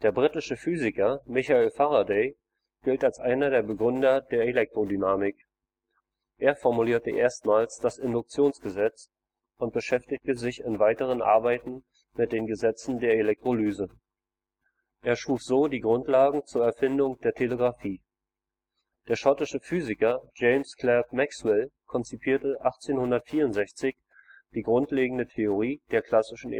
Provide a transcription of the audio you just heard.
britische Physiker Michael Faraday gilt als einer der Begründer der Elektrodynamik. Er formulierte erstmals das Induktionsgesetz und beschäftigte sich in weiteren Arbeiten mit den Gesetzen der Elektrolyse. Er schuf so die Grundlagen zur Erfindung der Telegraphie. Der schottische Physiker James Clerk Maxwell konzipierte 1864 die grundlegende Theorie der klassischen